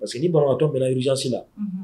Parce sigi bɔratɔ bɛjansi la